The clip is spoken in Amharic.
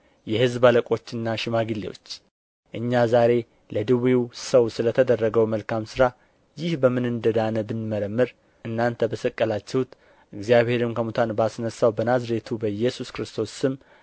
የሕዝብ አለቆችና ሽማግሌዎች እኛ ዛሬ ለድውዩ ሰው ስለ ተደረገው መልካም ሥራ ይህ በምን እንደዳነ ብንመረመር እናንተ በሰቀላችሁት እግዚአብሔርም ከሙታን ባስነሣው በናዝሬቱ በኢየሱስ ክርስቶስ ስም